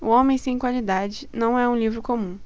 o homem sem qualidades não é um livro comum